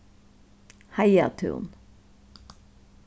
heiðatún